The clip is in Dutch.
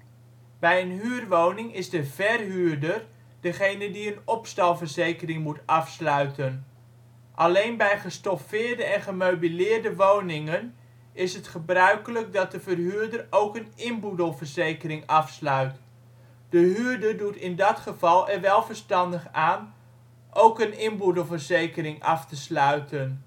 Bij een huurwoning is de verhuurder degene die een opstalverzekering moet afsluiten. Alleen bij gestoffeerde en gemeubileerde woningen is het gebruikelijk dat de verhuurder ook een inboedelverzekering afsluit. De huurder doet in dat geval er wel verstandig aan ook een inboedelverzekering af te sluiten